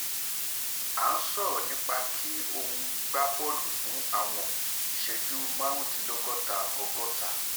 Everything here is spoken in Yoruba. A sọ̀rọ̀ nípa kí òun gbá bọ́ọ̀lù fún àwọn ìṣẹ́jú márùndínlọ́gọ́ta, ọgọ́ta.